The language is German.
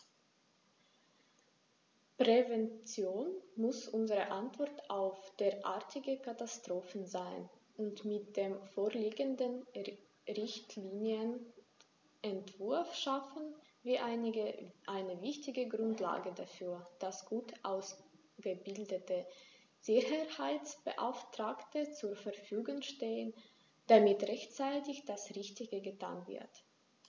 Prävention muss unsere Antwort auf derartige Katastrophen sein, und mit dem vorliegenden Richtlinienentwurf schaffen wir eine wichtige Grundlage dafür, dass gut ausgebildete Sicherheitsbeauftragte zur Verfügung stehen, damit rechtzeitig das Richtige getan wird.